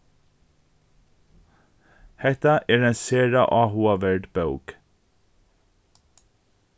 hetta er ein sera áhugaverd bók